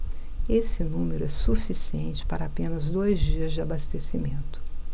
esse número é suficiente para apenas dois dias de abastecimento